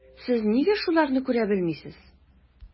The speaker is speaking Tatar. Сез нигә шуларны күрә белмисез?